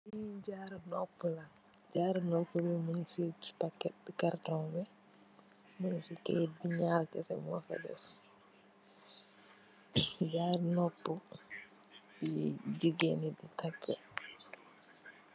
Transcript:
Jaaru noppa mung si paketi kartont bi mung si keyt bi naar rek mosi dess jaaru noppa yi jigeen di taka.